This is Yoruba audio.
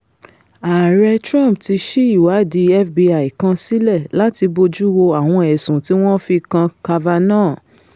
Ààrẹ Trump ti sí ìwáàdí FBI kan sílẹ̀ láti bojúwo àwọn ẹ̀sùn tí wọn fi kan Kavanaugh.